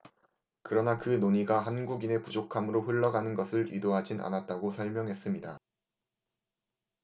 그러나 그 논의가 한국인의 부족함으로 흘러가는 것을 의도하진 않았다고 설명했습니다